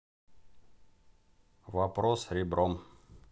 вопрос ребром